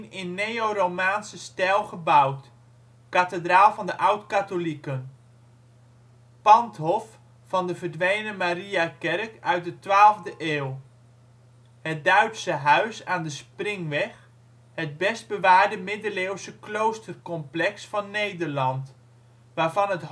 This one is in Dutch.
in neoromaanse stijl gebouwd. Kathedraal van de Oud-Katholieken. Pandhof van de verdwenen Mariakerk, uit de twaalfde eeuw. Het Duitse Huis aan de Springweg, het best bewaarde middeleeuwse kloostercomplex van Nederland, waarvan het